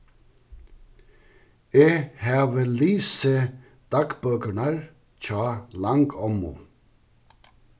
eg havi lisið dagbøkurnar hjá langommu